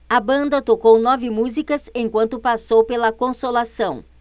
a banda tocou nove músicas enquanto passou pela consolação